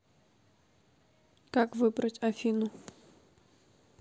как выбрать афину